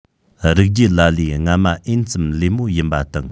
རིགས རྒྱུད ལ ལའི རྔ མ ཨེན ཙམ ལེབ མོ ཡིན པ དང